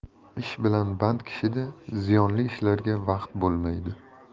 ish bilan band kishida ziyonli ishlarga vaqt bo'lmaydi